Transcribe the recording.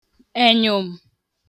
ènyụ̀m̀